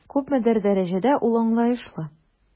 Күпмедер дәрәҗәдә ул аңлаешлы.